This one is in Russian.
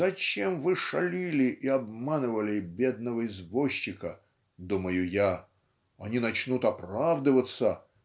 зачем вы шалили и обманывали бедного извозчика? - думаю я. Они начнут оправдываться